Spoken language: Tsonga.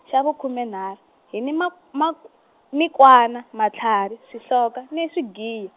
xa khume nharhu, hi ni ma- mak- mikwana matlharhi swihloka ni swigi-.